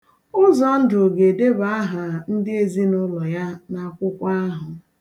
Ụzọndụ ga-edeba aha ndị ezinụụlọ ya n'akwụkwọ ahụ.